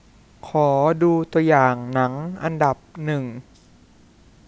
ขอดูตัวอย่างหนังอันดับหนึ่ง